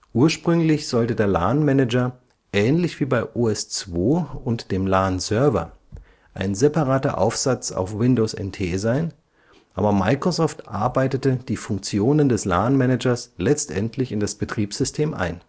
Ursprünglich sollte der LAN Manager, ähnlich wie bei OS/2 und dem LAN Server, ein separater Aufsatz auf Windows NT sein, aber Microsoft arbeitete die Funktionen des LAN Managers letztendlich in das Betriebssystem ein